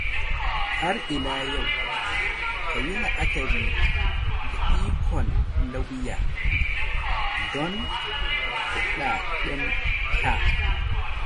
Har ila yau, kayi la'akari da ikon lauya don kudaden ka.